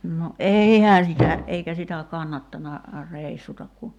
no eihän sitä eikä sitä kannattanut reissuta kun